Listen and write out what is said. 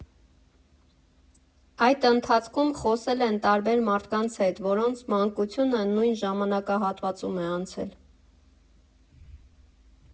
Այդ ընթացքում խոսել են տարբեր մարդկանց հետ, որոնց մանկությունը նույն ժամանակահատվածում է անցել։